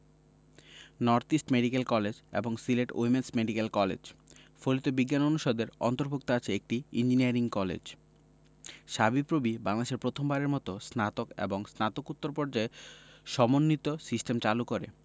north East Medical College এবং Sylhet Women's Medical College ফলিত বিজ্ঞান অনুষদের অন্তর্ভুক্ত আছে একটি ইঞ্জিনিয়ারিং কলেজ সাবিপ্রবি বাংলাদেশে প্রথম বারের মতো স্নাতক এবং স্নাতকোত্তর পর্যায়ে সমন্বিত সিস্টেম চালু করে